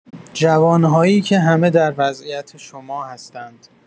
جوان‌هایی که همه در وضعیت شما هستند.